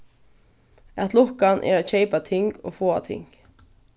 at lukkan er at keypa ting og at fáa ting